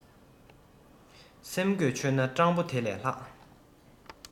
སེམས གོས ཆོད ན སྤྲང པོ དེ ལས ལྷག